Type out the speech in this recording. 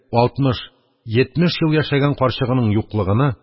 Алтмыш-йитмеш ел яшәгән карчыгының юклыгыны,